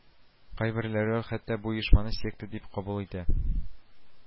Кайберәүләр хәтта бу оешманы секта дип кабул итә